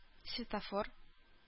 Светофор